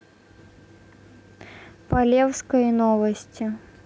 полевской новости